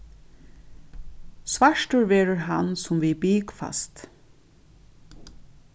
svartur verður hann sum við bik fæst